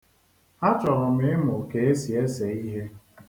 A chọrọ m ịmụ ka e si ese ihe.